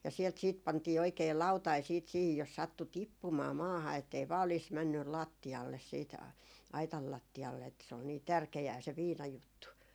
ja sieltä sitten pantiin oikein lautanen sitten siihen jos sattui tippumaan maahan että ei vain olisi mennyt lattialle sitten aitan lattialle että se oli niin tärkeää se viinajuttu